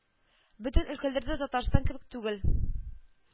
Бөтен өлкәләр дә Татарстан кебек түгел